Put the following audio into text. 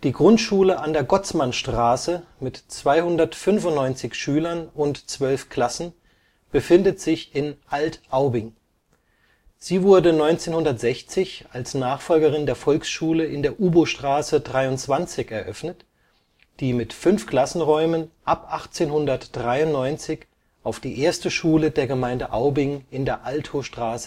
Grundschule an der Gotzmannstraße (295/12) befindet sich in Alt-Aubing. Sie wurde 1960 als Nachfolgerin der Volksschule in der Ubostraße 23 eröffnet, die mit fünf Klassenräumen ab 1893 auf die erste Schule der Gemeinde Aubing in der Altostraße